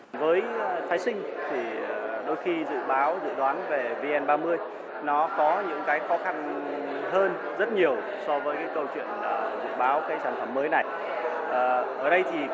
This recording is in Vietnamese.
với phái sinh chỉ đôi khi dự báo dự đoán về vi en ba mươi nó có những cái khó khăn hơn rất nhiều so với cái câu chuyện dự báo cái sản phẩm mới này ở đây thì